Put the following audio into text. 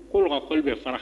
Kolu ka ko in bɛ fara.